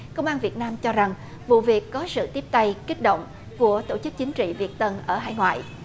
công an việt nam cho rằng vụ việc có sự tiếp tay kích động của tổ chức chính trị việt tân ở hải ngoại